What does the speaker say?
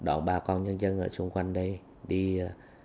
đón bà con nhân dân ở xung quanh đây đi